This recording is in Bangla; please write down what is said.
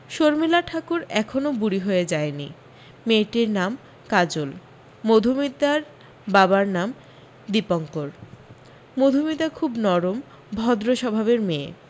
শর্মিলা ঠাকুর এখনও বুড়ি হয়ে যায়নি মেয়েটির নাম কাজল মধুমিতার বাবার নাম দীপঙ্কর মধুমিতা খুব নরম ভদ্র স্বভাবের মেয়ে